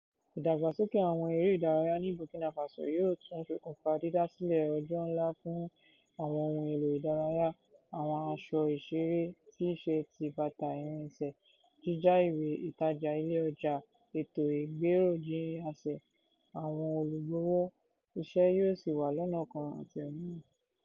Ìdàgbàsókè àwọn eré ìdárayá ní Burkina Faso yóò tún ṣokùnfà dídásílẹ̀ ọjà ńlà fún àwọn ohun èlò ìdárayà (àwọn aṣọ ìṣeré, T- ṣẹẹ̀tì, bàtà, irinṣẹ́), jíjá ìwé ìtajà, ilé oúnjẹ, ẹ̀tọ́ ìgbéròyìnjásé, àwọn olùgbọ̀wọ́ … Iṣẹ́ yòó sì wà lọ́nà kan àti òmíràn.